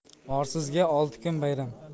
orsizga olti kun bayram